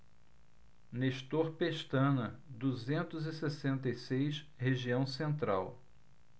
nestor pestana duzentos e sessenta e seis região central